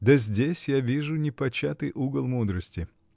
Да здесь, я вижу, — непочатый угол мудрости!